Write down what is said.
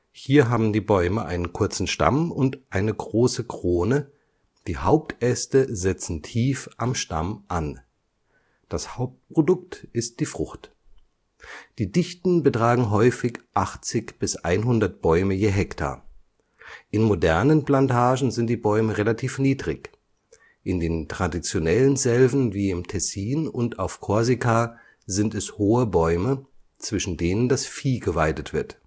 Hier haben die Bäume einen kurzen Stamm und eine große Krone, die Hauptäste setzen tief am Stamm an. Das Hauptprodukt ist die Frucht. Die Dichten betragen häufig 80 bis 100 Bäume je Hektar. In modernen Plantagen sind die Bäume relativ niedrig. In den traditionellen Selven wie im Tessin und auf Korsika sind es hohe Bäume, zwischen denen das Vieh geweidet wird